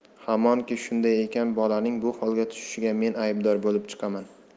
hamonki shunday ekan bolaning bu holga tushishiga men aybdor bo'lib chiqaman